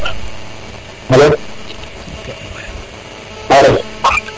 alo alo